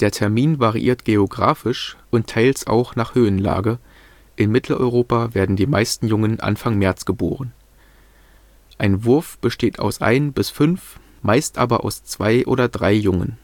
Termin variiert geografisch und teils auch nach Höhenlage; in Mitteleuropa werden die meisten Jungen Anfang März geboren. Ein Wurf besteht aus ein bis fünf, meist aber aus zwei oder drei Jungen